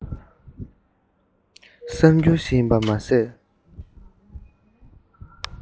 གསར འགྱུར ཞིག ཡིན པ མ ཟད